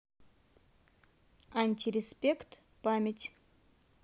антиреспект память